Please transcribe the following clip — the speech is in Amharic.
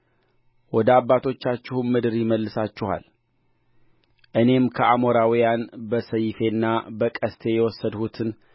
ወደ አባቶቻችሁም ምድር ይመልሳችኋል እኔም ከአሞራውያን በሰይፌና በቀስቴ የወሰድሁትን